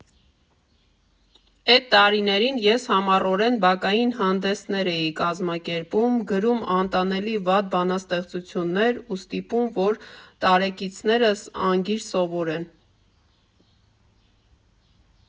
Էդ տարիներին ես համառորեն բակային հանդեսներ էի կազմակերպում, գրում անտանելի վատ բանաստեղծություններ ու ստիպում, որ տարեկիցներս անգիր սովորեն։